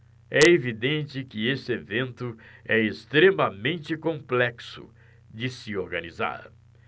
é evidente que este evento é extremamente complexo de se organizar